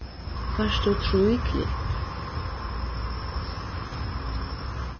fært tú trý klipp